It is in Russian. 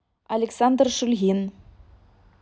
александр шульгин